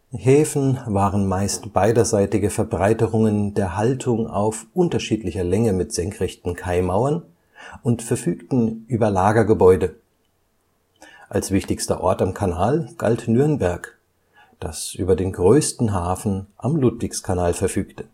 Häfen waren meist beiderseitige Verbreiterungen der Haltung auf unterschiedlicher Länge mit senkrechten Kaimauern und verfügten über Lagergebäude. Als wichtigster Ort am Kanal galt Nürnberg, das über den größten Hafen (ca. 50 m × 300 m) am Ludwigskanal verfügte